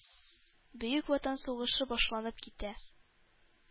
Бөек Ватан сугышы башланып китә.